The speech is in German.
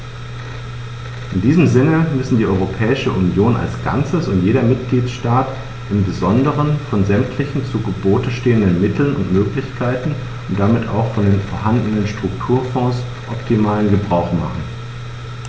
In diesem Sinne müssen die Europäische Union als Ganzes und jeder Mitgliedstaat im besonderen von sämtlichen zu Gebote stehenden Mitteln und Möglichkeiten und damit auch von den vorhandenen Strukturfonds optimalen Gebrauch machen.